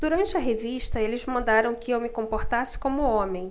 durante a revista eles mandaram que eu me comportasse como homem